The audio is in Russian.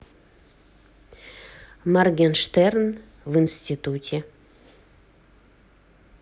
моргенштерн в институте